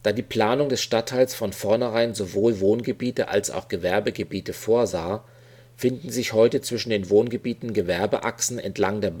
die Planung des Stadtteils von vorneherein sowohl Wohngebiete als auch Gewerbegebiete vorsah, finden sich heute zwischen den Wohngebieten Gewerbeachsen entlang der